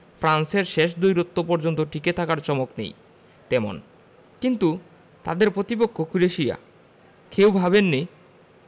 ফ্রান্সের শেষ দ্বৈরথ পর্যন্ত টিকে থাকায় চমক নেই তেমন কিন্তু তাদের প্রতিপক্ষ ক্রোয়েশিয়া কেউ ভাবেননি